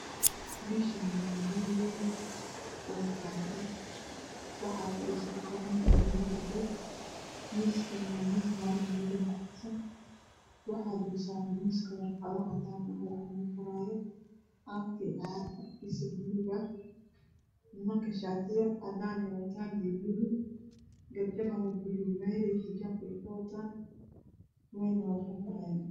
Meshani waa hool wayn oo maqaxi ah waxaa fa dhiso afarnin iyo laba gabdhood miiskan waa miis maro madow ku fidsan waxaa dulsaaran miiska warqado cadaan ah oo wax lagu qoraayo caafi caga furikisa buluug ah nimanka shaatiyo cadaan ah ayay watan iyo buluug gabdhana bulug maari xijabka ay wataan wayna wada hadlayaan